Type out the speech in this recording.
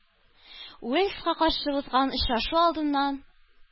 Уэльска каршы узган очрашу алдыннан